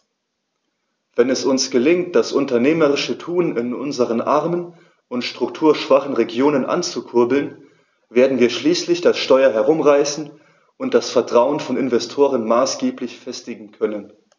Wenn es uns gelingt, das unternehmerische Tun in unseren armen und strukturschwachen Regionen anzukurbeln, werden wir schließlich das Steuer herumreißen und das Vertrauen von Investoren maßgeblich festigen können.